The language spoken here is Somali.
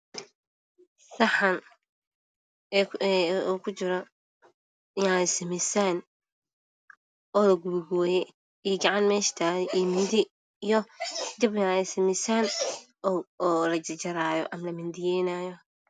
Saxan ay kujiraan yaanyo simisaam oo lajarjaray iyo gacan meesha taalo iyo midi, jab simisaam ah oo lajarjaraayo.